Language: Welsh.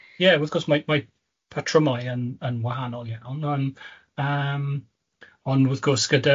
Ie, wrth gwrs mae mae patrymau yn yn wahanol iawn ond yym, ond wrth gwrs gyda